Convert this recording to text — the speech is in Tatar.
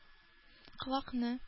Колакны